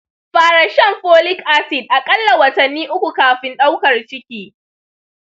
fara shan folic acid aƙalla watanni uku kafin daukar ciki.